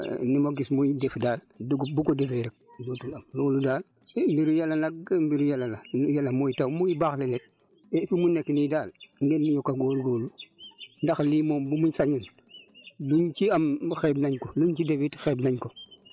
ndax ni ma gis muy def daal dugub bu ko defee rek dootul am loolu daal mbiru yàlla nag mbiru yàlla la yàlla mooy taw muy baaxle et fi mu nekk nii daal ngeen yokk a góorgóorlu ndax lii moom bu ñu sañoon luñ ci am xeeb nañ ko luñ ci def it xeeb nañ ko